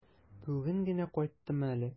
Бүген генә кайттым әле.